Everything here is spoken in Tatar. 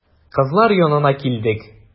Кызлар янына килдек.